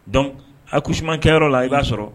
Donc accouchement kɛ yɔrɔ la i b'a sɔrɔ